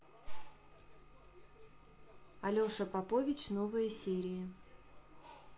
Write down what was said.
алеша попович новые серии